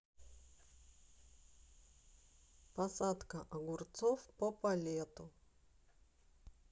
посадка огурцов по полету